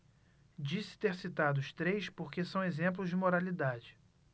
disse ter citado os três porque são exemplos de moralidade